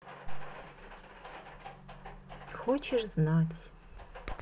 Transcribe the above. хочешь знать